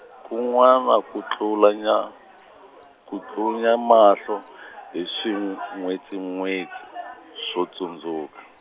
kun'wana ku tlulanya-, ku tlunya mahlo hi swin'wetsin'wetsi swo tsundzuka.